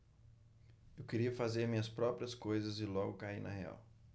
eu queria fazer minhas próprias coisas e logo caí na real